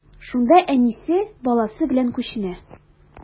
Шунда әнисе, баласы белән күченә.